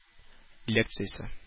Лекциясе